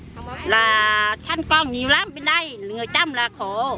là sanh con nhiều lắm bên đây người chăm là khổ